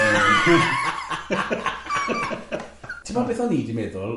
Ti'mod beth o'n i di meddwl?